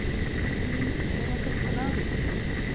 Мин яратып кына бит...